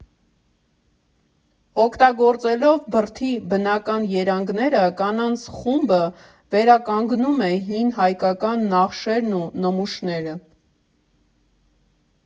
Օգտագործելով բրդի բնական երանգները՝ կանանց խումբը վերականգնում է հին հայկական նախշերն ու նմուշները։